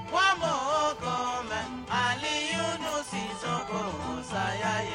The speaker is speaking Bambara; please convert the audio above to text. Kɔngo kɔnɔbɛn mali y' ni sisɔn saya ye